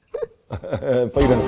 på.